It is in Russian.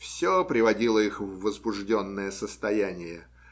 все приводило их в возбужденное состояние